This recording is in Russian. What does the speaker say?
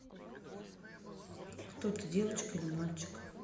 кто ты девочка или мальчик